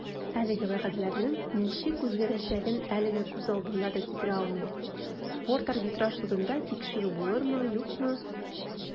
Әлеге вәзгыятьнең ничек үзгәрәчәген әлегә күз алдына да китерә алмыйм - спорт арбитраж судында тикшерү булырмы, юкмы.